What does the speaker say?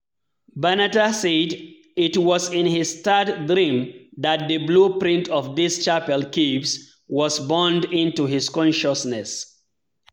Banatah said it was in his third dream that the blueprint for these chapel caves was burned into his consciousness.